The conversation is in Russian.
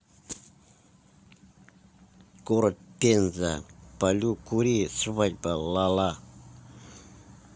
город пенза палю кури свадьба лала